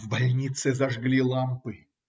В больнице зажгли лампы